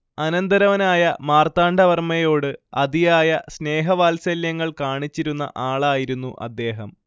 അനന്തരവനായ മാർത്താണ്ഡവർമ്മയോട് അതിയായ സ്നേഹവാത്സല്യങ്ങൾ കാണിച്ചിരുന്ന ആളായിരുന്നു അദേഹം